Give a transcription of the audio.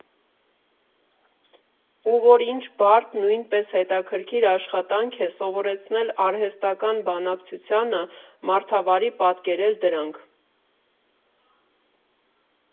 Ու որ ինչ բարդ, նույնպես հետաքրքիր աշխատանք է սովորեցնել արհեստական բանականությանը մարդավարի պատկերել դրանք։